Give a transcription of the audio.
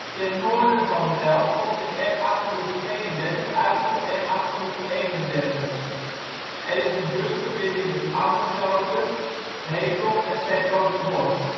Ten noorden van Well komt de N832 uit op de N831. Er is een busverbinding met Ammerzoden, Hedel en ' s-Hertogenbosch